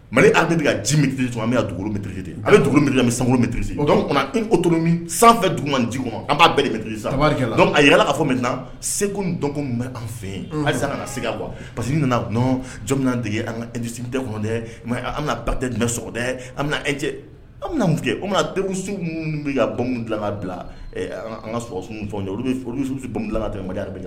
Mali an bɛ ka ji mintiri to an bɛ ka dugu mintue de an bɛ dugu min bɛ san mintiriseto min sanfɛ dugu man ji kɔnɔ ma an b'a bɛturi la a y yalala fɔ min na segu dɔnko bɛ an fɛ yen hali kana na se ka kuwa parce que nana nɔ dege an ka e tɛ dɛ nka an ka ba tɛ ni sɔgɔ dɛ an bɛ e cɛ an bɛna mun kɛsu minnu bɛ ka bɔ dilan ka bila an ka s sun fɛnw ye bɛsusibonla ka tɛmɛ ma